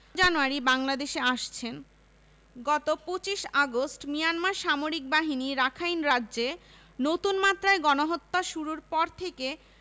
জানুয়ারি বাংলাদেশে আসছেন গত ২৫ আগস্ট মিয়ানমার সামরিক বাহিনী রাখাইন রাজ্যে নতুন মাত্রায় গণহত্যা শুরুর পর থেকে